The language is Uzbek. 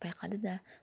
payqadi da